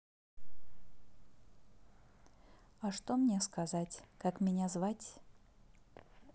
а что мне сказать как меня звать